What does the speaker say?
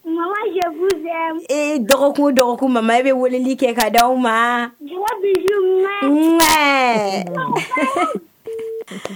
Makan ee dɔgɔkun dɔgɔkun mama i bɛ weleli kɛ k' d di aw ma dɔgɔ ɲuman